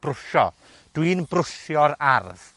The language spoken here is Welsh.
brwsio. Dw i'n brwsio'r ardd.